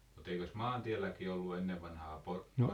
mutta eikös maantielläkin ollut ennen vanhaan portteja